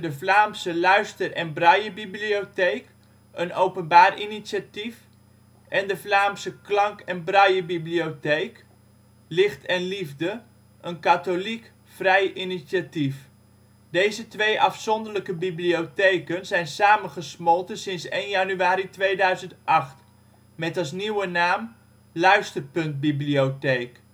Vlaamse luister - en braillebibliotheek (openbaar initiatief) Vlaamse klank - en braillebibliotheek [Licht en Liefde] (katholiek, " vrij ", initiatief) Deze 2 afzonderlijke bibliotheken zijn samengesmolten sinds 1 januari 2008. Met als nieuwe naam " Luisterpuntbibliotheek